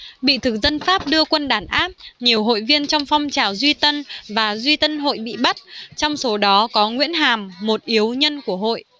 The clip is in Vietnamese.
bị thực dân pháp đưa quân đàn áp nhiều hội viên trong phong trào duy tân và duy tân hội bị bắt trong số đó có nguyễn hàm một yếu nhân của hội